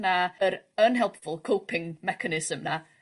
na yr unhelpful coping mechanism 'na